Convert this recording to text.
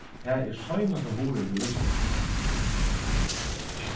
tað er seinasta hurðin til vinstru